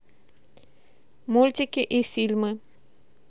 мультики и фильмы